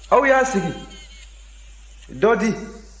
a'y'aw sigi dɔ di